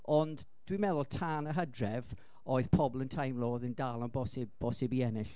Ond dwi'n meddwl, tan y Hydref, oedd pobl yn teimlo oedd hi'n dal yn bosib, bosib i ennill.